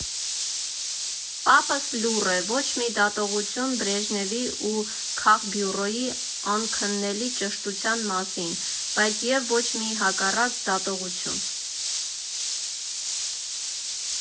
Պապս լուռ է, ոչ մի դատողություն Բրեժնևի ու քաղբյուրոյի անքննելի ճշտության մասին, բայց և ոչ մի հակառակ դատողություն։